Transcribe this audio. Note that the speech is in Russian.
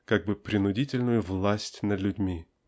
как бы принудительную власть над людьми.